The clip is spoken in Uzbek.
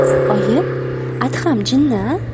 oyi adham jinni a